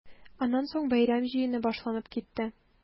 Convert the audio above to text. Аннан соң бәйрәм җыены башланып китте.